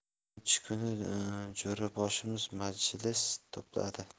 to'rtinchi kuni jo'raboshimiz majlis to'pladi